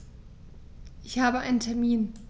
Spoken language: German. Ich habe einen Termin.